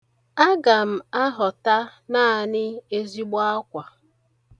Aga m ahọta naanị ezigbo akwa.